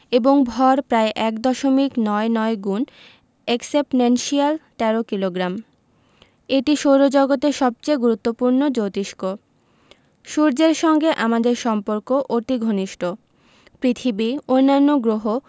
এবং ভর প্রায় এক দশমিক নয় নয় গুন এক্সপনেনশিয়াল ১৩ কিলোগ্রাম এটি সৌরজগতের সবচেয়ে গুরুত্বপূর্ণ জোতিষ্ক সূর্যের সঙ্গে আমাদের সম্পর্ক অতি ঘনিষ্ট পৃথিবী অন্যান্য গ্রহ